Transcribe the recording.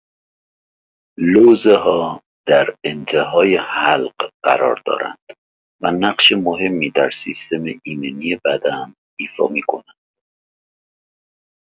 لوزه‌ها در انت‌های حلق قرار دارند و نقش مهمی در سیستم ایمنی بدن ایفا می‌کنند.